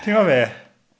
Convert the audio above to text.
Ti'n gwybod be?